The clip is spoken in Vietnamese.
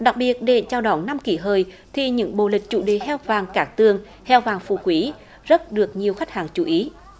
đặc biệt để chào đón năm kỉ hợi thì những bộ lịch chủ đề heo vàng cát tường heo vàng phú quý rất được nhiều khách hàng chú ý